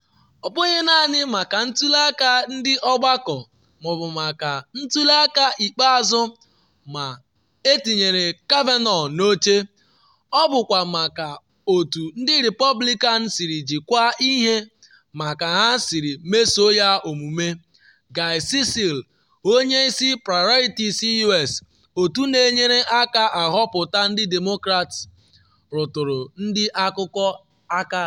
“Ọ bụghị naanị maka ntuli aka ndị ọgbakọ ma ọ bụ maka ntuli aka ikpeazụ ma ọ bụ ma etinyere Kavanaugh n’oche, ọ bụkwa maka otu ndị Repọblikan siri jikwaa ihe a ma ka ha siri meso ya omume,” Guy Cecil, onye isi Priorities USA, otu na-enyere aka ahọpụta ndị Demokrat, rụtụrụ ndị akụkọ aka.